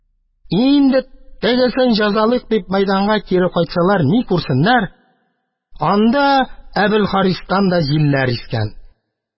Инде тегесен җәзалыйк дип мәйданга кире кайтсалар, ни күрсеннәр, анда Әбелхаристан да җилләр искән.